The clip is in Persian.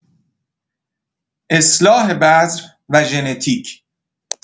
اصلاح بذر و ژنتیک